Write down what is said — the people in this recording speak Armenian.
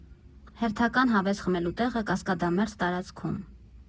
Հերթական հավես խմելու տեղը Կասկադամերձ տարածքում։